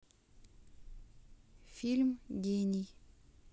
фильм гений